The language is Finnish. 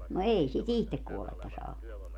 no ei sitä itse kuollutta saa ottaa